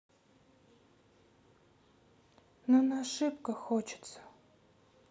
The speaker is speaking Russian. но на ошибках хочется